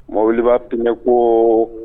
Mobili' tɛ ko